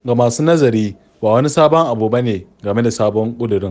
Ga masu nazari, ba wani sabon abu game da sabon ƙudurin.